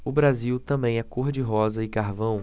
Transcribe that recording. o brasil também é cor de rosa e carvão